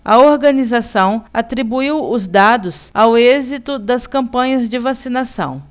a organização atribuiu os dados ao êxito das campanhas de vacinação